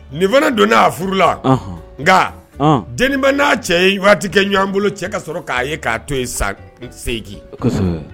Nin fana donna n'a furu la nka denin n'a cɛ ye waati kɛ ɲ bolo cɛ ka sɔrɔ k'a ye k'a to yen san sengin